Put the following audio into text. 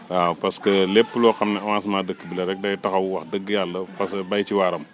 waaw parce que lépp loo xam ne avancement dëkk bi la rek day taxaw wax dëgg yàlla parce que béy ci waaram